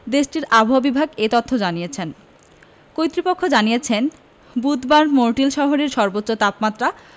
দেশটির আবহাওয়া বিভাগ এ তথ্য জানিয়েছে কইর্তৃপক্ষ জানিয়েছে বুধবার মর্টিল শহরে সর্বোচ্চ তাপমাত্রা